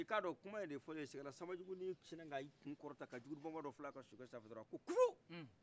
i k' a dɔn kuma in de fɔlen saa sambajugunin sin na ka i kun kɔrɔta ka jugudu bamaadɔ filɛ a ka sokɛ san fɛ a ko kugu